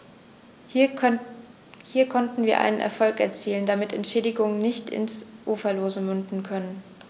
Hier konnten wir einen Erfolg erzielen, damit Entschädigungen nicht ins Uferlose münden können.